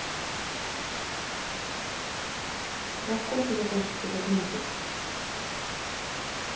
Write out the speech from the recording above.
во сколько закончится этот мультик